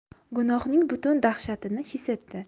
gunohning butun dahshatini his etdi